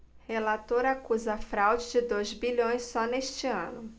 relator acusa fraude de dois bilhões só neste ano